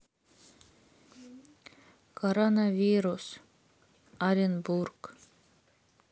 коронавирус оренбург